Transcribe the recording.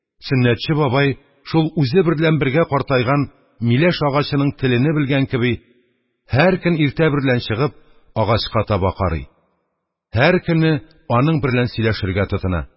Сөннәтче бабай, шул үзе берлән бергә картайган миләш агачының телене белгән кеби, һәр көн иртә берлән чыгып, агачка таба карый, һәр көнне аның берлән сөйләшергә тотына.